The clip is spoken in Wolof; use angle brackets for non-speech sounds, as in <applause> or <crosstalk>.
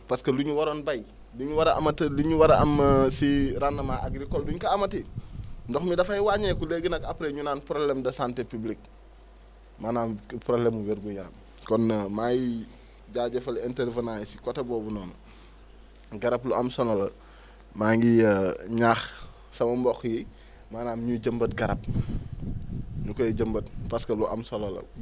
parce que lu ñu waroon béy lu ñu war a amati lu ñu war a am <hesitation> si rendement agricole bi duñ ko amati ndox mi dafay wàññeeku léegi nag après ñu naan problème de santé publique maanaam di problème mu wér-gu-yaram kon <hesitation> maa ngi jaajëfal intervenant yi si côté boobu noonu garab lu am solo la <breath> maa ngi <hesitation> ñaax sama mbokk yi maanaam ñuy jëmbat garab <noise> ñu koy jëmbat parce que lu am solo la